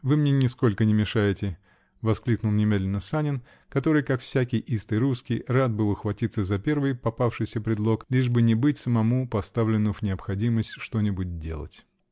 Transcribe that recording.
Вы мне нисколько не мешаете, -- воскликнул немедленно Санин, который, как всякий истый русский, рад был ухватиться за первый попавшийся предлог, лишь бы не быть самому поставлену в необходимость что-нибудь делать.